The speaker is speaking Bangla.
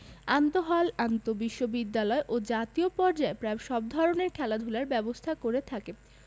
আন্তঃহল আন্তঃবিশ্ববিদ্যালয় ও জাতীয় পর্যায়ে প্রায় সব ধরনের খেলাধুলার ব্যবস্থা করে থাকে